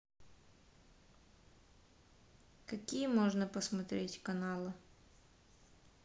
какие можно посмотреть каналы